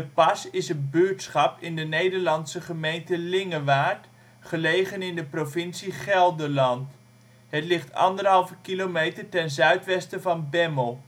Pas is een buurtschap in de Nederlandse gemeente Lingewaard, gelegen in de provincie Gelderland. Het ligt 1,5 kilometer ten zuidwesten van Bemmel